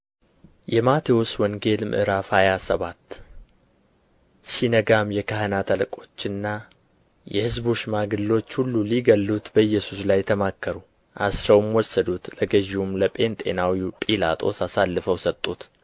﻿የማቴዎስ ወንጌል ምዕራፍ ሃያ ሰባት ሲነጋም የካህናት አለቆችና የሕዝቡ ሽማግሎች ሁሉ ሊገድሉት በኢየሱስ ላይ ተማከሩ አስረውም ወሰዱት ለገዢው ለጴንጤናዊው ጲላጦስም አሳልፈው ሰጡት